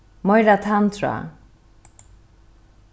meira tanntráð